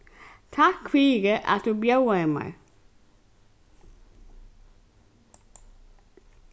takk fyri at tú bjóðaði mær